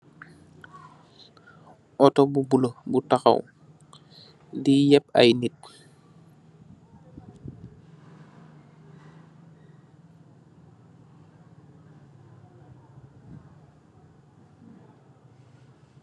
Auto bu bulo bu taxaw di yep ay nit.